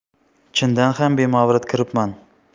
chindan ham bemavrid kiribman